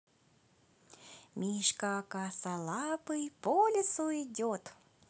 мишка косолапый по лесу идет